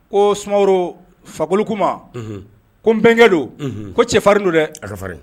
Ko sumaworo fakolikuma ko n npkɛ do ko cɛfarin do dɛ afarin